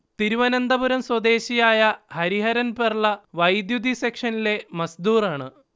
തിരുവനന്തപുരം സ്വദേശിയായ ഹരിഹരൻ പെർള വൈദ്യുതി സെക്ഷനിലെ മസ്ദൂർ ആണ്